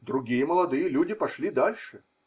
Другие молодые люди пошли дальше.